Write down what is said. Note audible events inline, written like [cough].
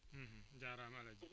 [hesitation] [hesitation]